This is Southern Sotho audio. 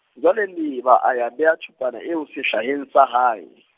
jwale Leeba a ya bea thupana eo sehlaheng sa hae.